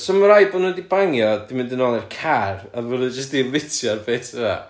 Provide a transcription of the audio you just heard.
so ma' raid bod nhw 'di bangio 'di mynd yn ôl i'r car a bod nhw jyst 'di omitio'r bit yna.